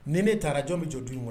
Ni ne taara jɔn bɛ jɔ du kɔnɔ